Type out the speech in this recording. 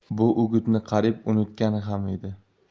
bu o'gitni qariyb unutgan ham edi